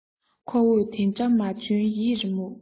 ཁོ བོས དེ འདྲ མ འཇོན ཡིད རེ རྨུགས